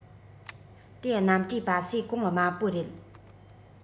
དེའི གནམ གྲུའི སྤ སེ གོང དམའ པོ རེད